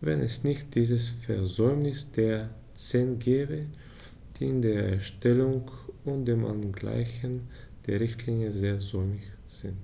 wenn es nicht dieses Versäumnis der CEN gäbe, die in der Erstellung und dem Angleichen der Richtlinie sehr säumig sind.